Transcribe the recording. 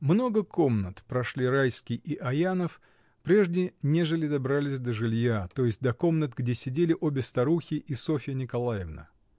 Много комнат прошли Райский и Аянов, прежде нежели добрались до жилья, то есть до комнат, где сидели обе старухи и Софья Николаевна.